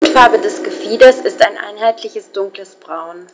Grundfarbe des Gefieders ist ein einheitliches dunkles Braun.